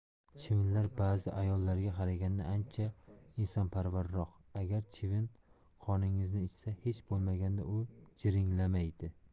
chivinlar ba'zi ayollarga qaraganda ancha insonparvarroq agar chivin qoningizni ichsa hech bo'lmaganda u jiringlamaydi